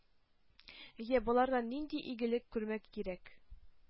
Йә, болардан нинди игелек күрмәк кирәк?!